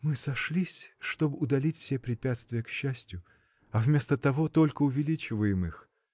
— Мы сошлись, чтоб удалить все препятствия к счастью, — а вместо того только увеличиваем их!